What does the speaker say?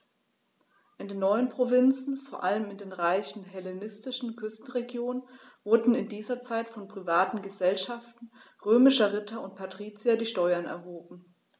In den neuen Provinzen, vor allem in den reichen hellenistischen Küstenregionen, wurden in dieser Zeit von privaten „Gesellschaften“ römischer Ritter und Patrizier die Steuern erhoben.